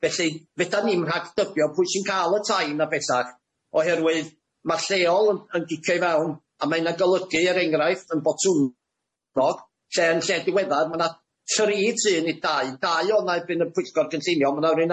Felly fedan ni'm rhag dybio pwy sy'n ca'l y tai na bellach oherwydd ma'r lleol yn yn gicio i fewn a mae'n na'n golygu er enghraifft yn Botwnog lle yn lle diweddar ma' na tri tŷ ne' dau dau oedd na'i byn yn pwyllgor gynllunio ma' na rywun